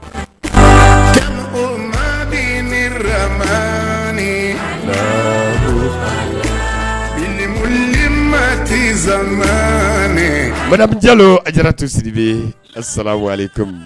Ma 2 ninm mati ma barabujalo a jara to siribi a saba wale to